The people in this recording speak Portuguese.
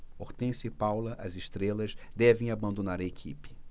hortência e paula as estrelas devem abandonar a equipe